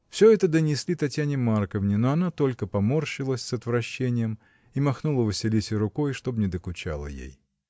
Всё это донесли Татьяне Марковне, но она только поморщилась с отвращением и махнула Василисе рукой, чтоб не докучала ей.